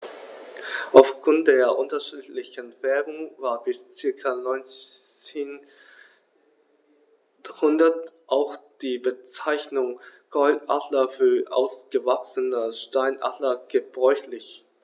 Auf Grund der unterschiedlichen Färbung war bis ca. 1900 auch die Bezeichnung Goldadler für ausgewachsene Steinadler gebräuchlich.